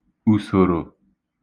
ùsòrò